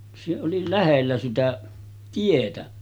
se oli lähellä sitä tietä